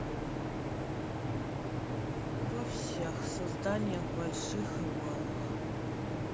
во всех созданиях больших и малых